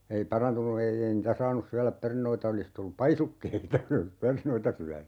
ei parantunut ei ei niitä saanut syödä perunoita olisi tullut paisukkeita jos olisi perunoita syönyt